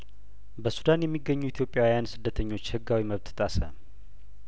በሱዳን የሚገኙ ኢትዮጵያውያን ስደተኞች ህጋዊ መብት ተጣሰ